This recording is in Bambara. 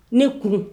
Ne kun